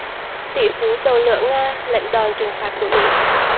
tỷ phú dầu lửa nga lãnh đòn trừng phạt của mỹ